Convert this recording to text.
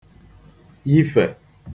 yìfe